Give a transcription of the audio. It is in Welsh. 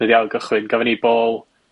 wedi ail gychwyn. Gafon ni ball...